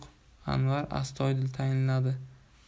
anvar astoydil tayinladi